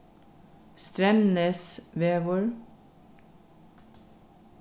streymnesvegur